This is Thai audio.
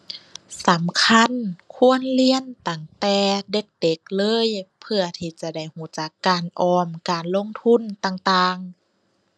สำคัญ ควรเรียนตั้งแต่เด็กเด็กเลย เพื่อที่จะได้รู้จักการออม การลงทุนต่างต่าง